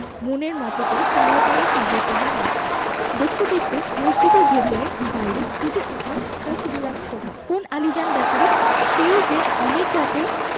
মনের মতো করে তারায় তারায় সাজিয়ে তুললেন মসজিদ দেখতে দেখতে মসজিদের ভেতরে বাইরে ফুটে উঠলো চোখ জুড়ানো শোভা কোন আলীজান ব্যাপারী সেই যে অনেক রাতে